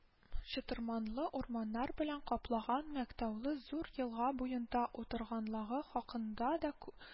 Чытырманлы урманнар белән каплаган мәктаулы зур елга буенда утырганлагы хакында да